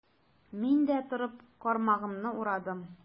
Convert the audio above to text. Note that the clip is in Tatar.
Мин дә, торып, кармагымны урадым.